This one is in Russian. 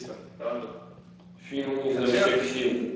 фильм изо всех сил